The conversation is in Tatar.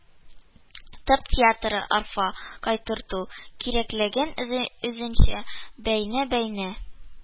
Тып, театрга арфа кайтарту кирәклеген үзенчә бәйнә-бәйнә